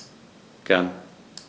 Gern.